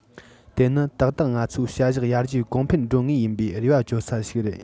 དེ ནི ཏག ཏག ང ཚོའི བྱ གཞག ཡར རྒྱས གོང འཕེལ འགྲོ ངེས ཡིན པའི རེ བ བཅོལ ས ཞིག རེད